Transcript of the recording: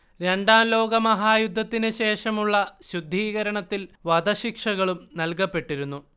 രണ്ടാം ലോക മഹായുദ്ധത്തിനു ശേഷമുള്ള ശുദ്ധീകരണത്തിൽ വധശിക്ഷകളും നൽകപ്പെട്ടിരുന്നു